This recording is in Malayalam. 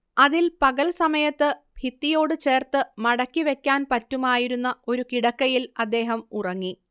അതിൽ പകൽ സമയത്ത് ഭിത്തിയോട് ചേർത്ത് മടക്കിവെക്കാൻ പറ്റുമായിരുന്ന ഒരു കിടക്കയിൽ അദ്ദേഹം ഉറങ്ങി